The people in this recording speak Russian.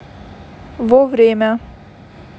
во время